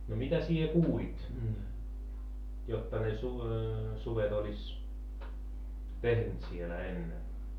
no mitä sinä kuulit jotta ne sudet olisi tehneet siellä ennen